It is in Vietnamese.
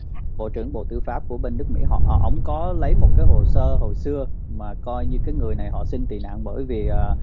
bộ trưởng bộ tư pháp của bình đức mỹ họ ổng có lấy một cái hồ sơ hồi xưa mà coi như cái người này họ xin tị nạn bởi vì